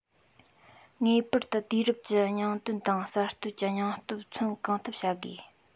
ངེས པར དུ དུས རབས ཀྱི སྙིང དོན དང གསར གཏོད ཀྱི སྙིང སྟོབས མཚོན གང ཐུབ བྱ དགོས